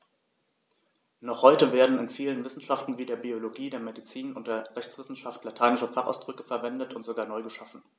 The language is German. Noch heute werden in vielen Wissenschaften wie der Biologie, der Medizin und der Rechtswissenschaft lateinische Fachausdrücke verwendet und sogar neu geschaffen.